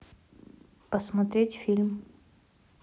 посмотреть фильм